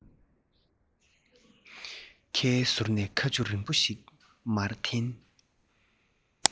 ཁའི ཟུར ནས ཁ ཆུ རིང པོ ཞིག མར འཐེན